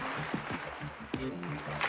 mắt lên